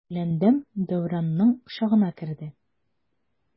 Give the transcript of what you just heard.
Гөләндәм Дәүранның кочагына керде.